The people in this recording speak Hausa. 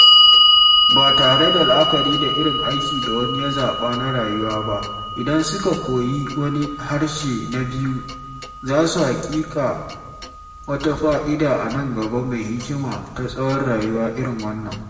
Ba tare da la’akari da irin aiki da wani ya zaɓa na rayuwa ba, idan suka koyi wani harshe na biyu, za su haƙiƙa wata fa’ida a nan gaba mai hikima ta tsawon rayuwa irin wannan: